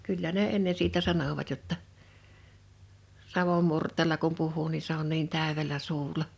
kyllä ne ennen siitä sanoivat jotta savon murteella kun puhuu niin se on niin täydellä suulla